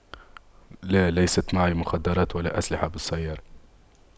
لا ليست معي مخدرات ولا أسلحة بالسيارة